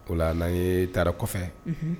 O la n'an ye taara kɔfɛ, unhun